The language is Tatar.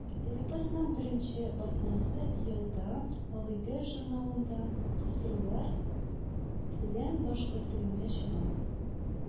Эпосның беренче басмасы елда «Агидель» журналында кыскартулар белән башкорт телендә чыга